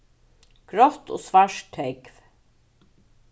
grátt og svart tógv